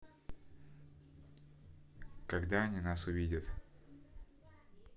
когда они нас увидят